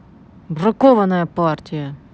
бракованная партия